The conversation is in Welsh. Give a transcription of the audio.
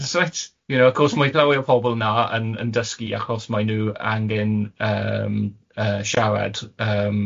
You know of course mae llawer o pobol nâ yn yn dysgu achos maen nhw angen yym yy siarad yym